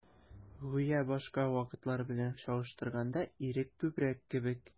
Гүя башка вакытлар белән чагыштырганда, ирек күбрәк кебек.